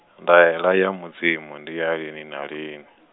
ndaela ya Mudzimu ndi ya lini na lini.